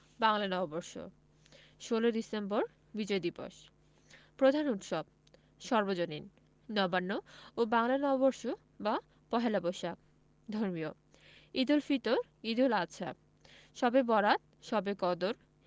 বাংলা নববর্ষ ১৬ই ডিসেম্বর বিজয় দিবস প্রধান উৎসবঃ সর্বজনীন নবান্ন ও বাংলা নববর্ষ বা পহেলা বৈশাখ ধর্মীয় ঈদুল ফিত্ র ঈদুল আযহা শবে বরআত শবে কদর